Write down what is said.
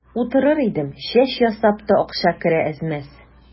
Утырыр идем, чәч ясап та акча керә әз-мәз.